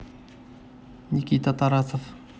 никита тарасов